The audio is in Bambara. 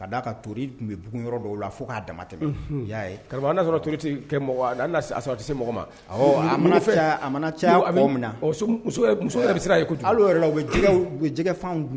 Ka'a ka to tun bɛ b yɔrɔ dɔw la fo k'a dama tɛmɛ y'a ye kara'a sɔrɔ toti kɛ sɔrɔ a tɛ se mɔgɔ ma a mana fɛ a caya bɛ muso yɛrɛ bɛ sira yen yɛrɛ la u bɛ jɛgɛ